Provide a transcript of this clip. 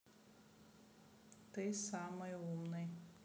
ты самый умный